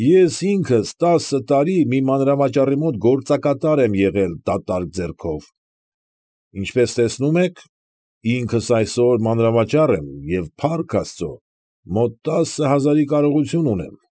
Ես ինքս տասը տարի մի մանրավաճառի մոտ գործակատար եմ եղել դատարկ ձեռքով. ինչպես տեսնում եք, ինքս այսօր մանրավաճառ եմ և, փառք աստուծո, մոտ տասը հազարի կարողություն ունիմ։